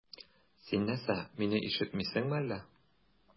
Син нәрсә, мине ишетмисеңме әллә?